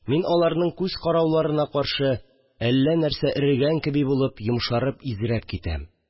Мин аларның күз карауларына каршы, әллә нәрсә эрегән кеби булып, йомшарып-изрәп китәм